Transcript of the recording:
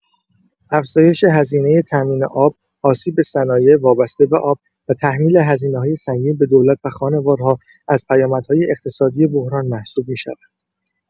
افزایش هزینه تأمین آب، آسیب به صنایع وابسته به آب و تحمیل هزینه‌های سنگین به دولت و خانوارها از پیامدهای اقتصادی بحران محسوب می‌شود.